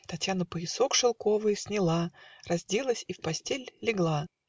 Татьяна поясок шелковый Сняла, разделась и в постель Легла.